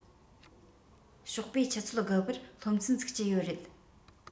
ཞོགས པའི ཆུ ཚོད དགུ པར སློབ ཚན ཚུགས ཀྱི ཡོད རེད